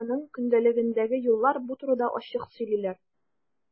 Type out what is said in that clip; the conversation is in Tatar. Аның көндәлегендәге юллар бу турыда ачык сөйлиләр.